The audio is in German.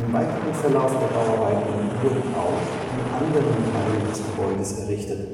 weiteren Verlauf der Bauarbeiten wurden auch die anderen Teile des Gebäudes errichtet